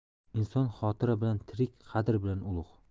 inson xotira bilan tirik qadr bilan ulug'